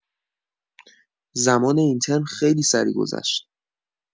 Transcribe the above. زمان این ترم خیلی سریع گذشت